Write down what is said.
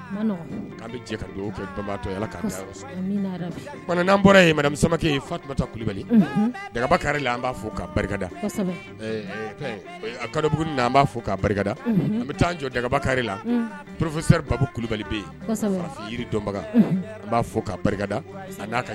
Kɛ kulubali an b'a fɔ fo barika b'a fɔ ka barikada an bɛ taa jɔba kari la poro kulubali bɛbaga an b'a fɔ ka barika da a